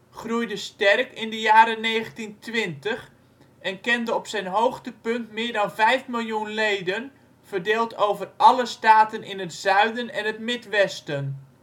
groeide sterk in de jaren 1920 en kende op zijn hoogtepunt meer dan 5 miljoen leden verdeeld over alle staten in het Zuiden en het Midwesten